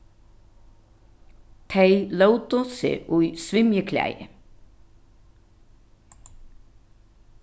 tey lótu seg í svimjiklæði